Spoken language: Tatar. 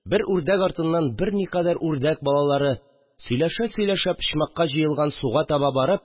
Бер үрдәк артыннан берникадәр үрдәк балалары сөйләшә-сөйләшә почмакка җыелган суга таба барып